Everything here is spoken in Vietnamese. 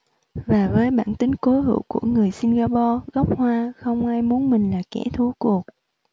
và với bản tính cố hữu của người singapore gốc hoa không ai muốn mình là kẻ thua cuộc